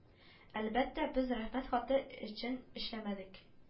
Әлбәттә, без рәхмәт хаты өчен эшләмәдек